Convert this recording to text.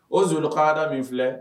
O zkanra min filɛ